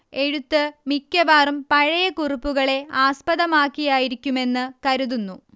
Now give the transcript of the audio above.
എഴുത്ത് മിക്കവാറും പഴയ കുറിപ്പുകളെ ആസ്പദമാക്കിയായിരിക്കുമെന്ന് കരുതുന്നു